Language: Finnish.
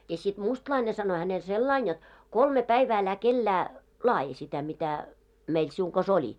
ja sitten mustalainen sanoi hänelle sillä lailla jotta kolme päivää älä kenellekään laadi sitä mitä meillä sinun kanssa oli